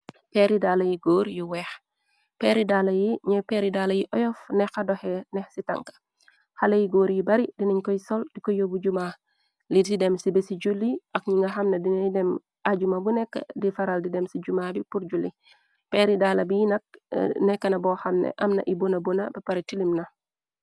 Peeri daala yi góor yu weex peeri daala yi ñoy peeri dala yi oyof nexa doxe nex ci tanka xale yi góor yi bari dinañ koy sol di ko yóbbu juma li di dem ci be ci julli ak ñi nga xamna dinay dem ajuma bu nekk di faral di dem ci jumaa bi purjulli peeri daala bi nak nekkna bo xamne amna i bona bona ba pare tilim na.